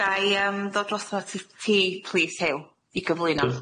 Ga' i yym ddod drosodd ata ti plîs Huw i gyflwyno.